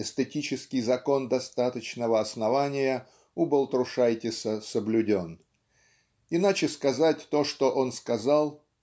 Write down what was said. Эстетический закон достаточного основание у Балтрушайтиса соблюден. Иначе сказать то. что он скачал.